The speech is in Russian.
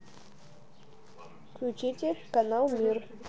включите канал мир